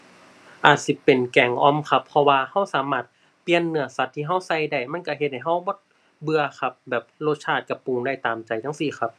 อาจสิเป็นแกงอ่อมครับ เพราะว่าเราสามารถเปลี่ยนเนื้อสัตว์ที่เราใส่ได้ มันเราเฮ็ดให้เราบ่เบื่อครับ แบบ รสชาติเราปรุงได้ตามใจจั่งซี้ครับ